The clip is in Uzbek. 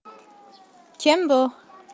kim bu